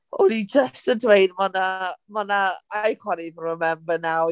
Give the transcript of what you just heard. O'n i just yn dweud ma 'na mae 'na... I can't even remember now.